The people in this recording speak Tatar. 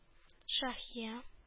Шаһия